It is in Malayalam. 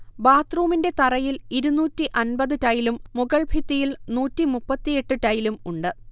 ബാത്ത്റൂമിന്റെ തറയിൽ ഇരുന്നൂറ്റി അന്പത് ടൈലും മുകൾഭിത്തിയിൽ നൂറ്റി മുപ്പത്തിയെട്ട് ടൈലും ഉണ്ട്